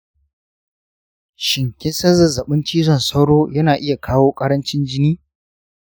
shin kinsan zazzaɓin cizon sauro yana iya kawo ƙarancin jini?